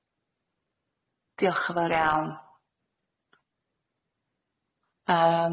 Diolch yn fawr iawn. Yym.